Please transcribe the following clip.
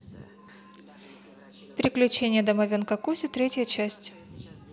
приключения домовенка кузи третья часть